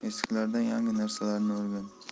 eskilardan yangi narsalarni o'rgan